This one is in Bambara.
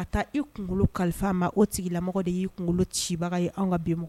Ka taa i kunkolo kalifa a ma, o tigilamɔgɔ de yi kunkolo cibaga ye anw ka bi mɔgɔ